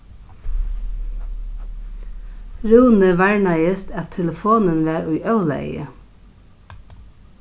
rúni varnaðist at telefonin var í ólagi